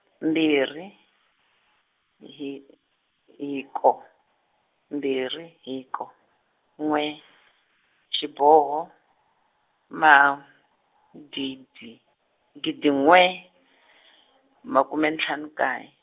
mbirhi, hi hi hiko, mbirhi hiko, n'we , xiboho, magidi gidi n'we , makume ntlhanu nkaye.